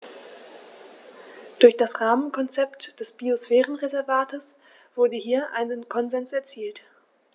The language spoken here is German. Durch das Rahmenkonzept des Biosphärenreservates wurde hier ein Konsens erzielt.